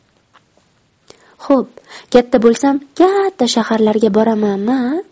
xo'p katta bo'lsam kaaatta shaharlarga boramanmi